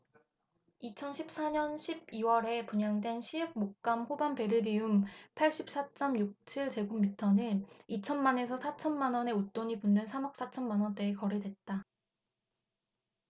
이천 십 사 년 십 이 월에 분양된 시흥목감호반베르디움 팔십 사 쩜 육 칠 제곱미터는 이천 만 에서 사천 만원의 웃돈이 붙은 삼 억 사천 만원대에 거래됐다